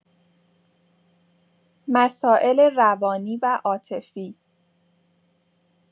مسائل روانی و عاطفی